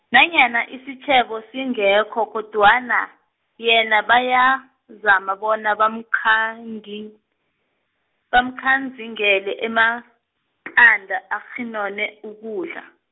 nanyana isitjhebo singekho kodwana, yena bayazama bona bamkhangi-, bamkhanzingele amaqanda, akghone ukudla.